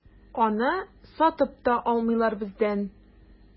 Аны сатып та алмыйлар бездән.